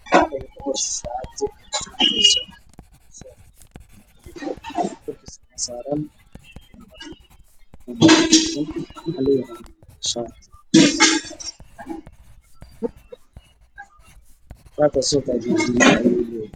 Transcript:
Waa shaati midabkiisii yahay qaxwi